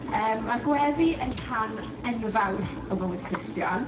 Yym, ma' gweddi yn rhan enfawr o fywyd y Cristion.